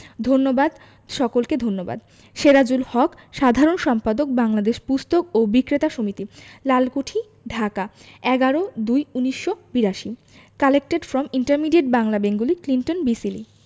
ধন্যবাদ সকলকে ধন্যবাদ সেরাজুল হক সাধারণ সম্পাদক বাংলাদেশ পুস্তক ও বিক্রেতা সমিতি লালকুঠি ঢাকা ১১/০২/১৯৮২ collected from intermediate Bangla Bengali Clinton B Seely